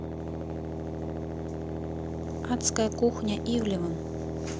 адская кухня ивлевым